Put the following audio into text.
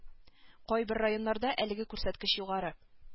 Кайбер районнарда әлеге күрсәткеч югары